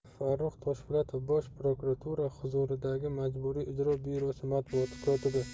farruh toshpo'latov bosh prokuratura huzuridagi majburiy ijro byurosi matbuot kotibi